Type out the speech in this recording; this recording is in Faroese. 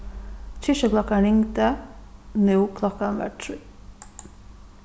kirkjuklokkan ringdi nú klokkan var trý